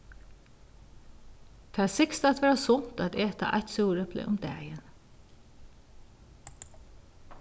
tað sigst at vera sunt at eta eitt súrepli um dagin